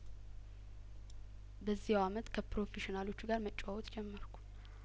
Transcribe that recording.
በዚያው አመት ከፕሮፌሽናሎቹ ጋር መጨዋወት ጀመርኩ